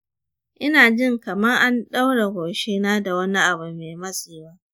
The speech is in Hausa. ina jin kamar an ɗaure goshina da wani abu mai matsewa